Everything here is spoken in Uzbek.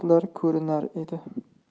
otlar ko'rinar edi